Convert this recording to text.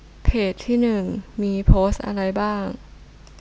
เพจที่หนึ่งมีโพสต์อะไรบ้าง